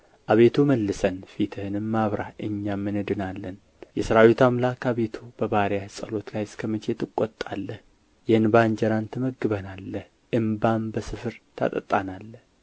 አቤቱ መልሰን ፊትህንም አብራ እኛም እንድናለን የሠራዊት አምላክ አቤቱ በባሪያህ ጸሎት ላይ እስከ መቼ ትቈጣለህ የእንባ እንጀራን ትመግበናለህ እንባም በስፍር ታጠጣናለህ